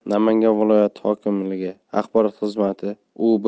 namangan viloyat hokimligi axborot xizmatiu bir